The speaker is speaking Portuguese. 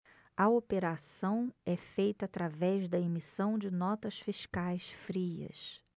a operação é feita através da emissão de notas fiscais frias